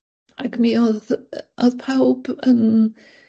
ac mi o'dd yy o'dd pawb yn